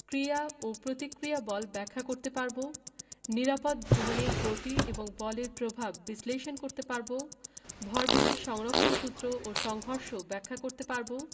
ক্রিয়া ও প্রতিক্রিয়া বল ব্যাখ্যা করতে পারব নিরাপদ ভ্রমণে গতি এবং বলের প্রভাব বিশ্লেষণ করতে পারব ভরবেগের সংরক্ষণ সূত্র ও সংঘর্ষ ব্যাখ্যা করতে পারব